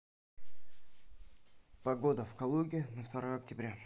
погода в калуге на второе октября